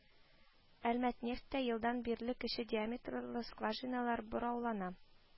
«әлмәтнефть»тә елдан бирле кече диаметрлы скважиналар бораулана